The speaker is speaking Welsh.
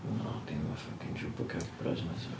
O dim y fucking Chupacabras 'ma eto.